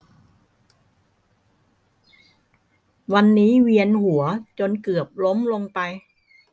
วันนี้เวียนหัวจนเกือบล้มลงไป